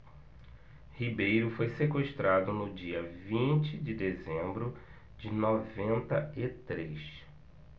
ribeiro foi sequestrado no dia vinte de dezembro de noventa e três